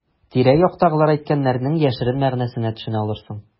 Тирә-яктагылар әйткәннәрнең яшерен мәгънәсенә төшенә алырсың.